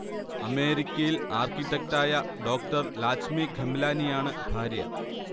അമേരിക്കയിൽ ആർകിടെക്ടായ ഡോ. ലാച്മി ഖെംലാനിയാണ് ഭാര്യ